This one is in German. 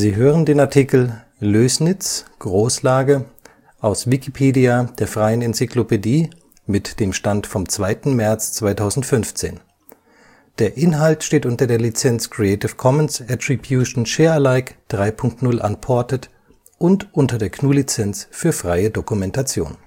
hören den Artikel Lößnitz (Großlage), aus Wikipedia, der freien Enzyklopädie. Mit dem Stand vom Der Inhalt steht unter der Lizenz Creative Commons Attribution Share Alike 3 Punkt 0 Unported und unter der GNU Lizenz für freie Dokumentation